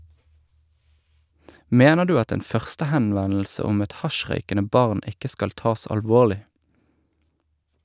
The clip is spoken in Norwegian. - Mener du at en førstehenvendelse om et hasjrøykende barn ikke skal tas alvorlig?